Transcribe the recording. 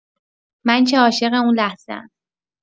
من که عاشق اون لحظه‌ام